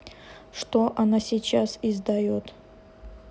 что она сейчас издает